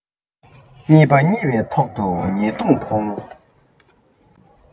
གཉིས པ ཉེས པའི ཐོག ཏུ ཉེས རྡུང ཐོང